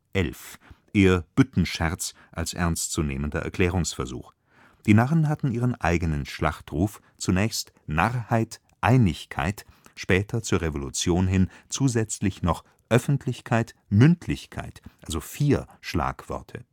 Elf! “) eher Büttenscherz als ernst zu nehmender Erklärungsversuch. Die Narren hatten ihren eigenen Schlachtruf, zunächst „ Narrheit – Einigkeit “, später zur Revolution hin zusätzlich noch „ Öffentlichkeit – Mündlichkeit “, also vier (!) Schlagworte